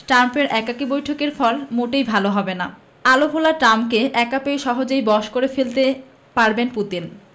ট্রাম্পের একাকী বৈঠকের ফল মোটেই ভালো হবে না আলাভোলা ট্রাম্পকে একা পেয়ে সহজেই বশ করে ফেলতে পারবেন পুতিন